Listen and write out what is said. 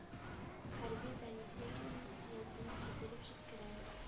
Хәрби донесениене иясенә китереп җиткерә.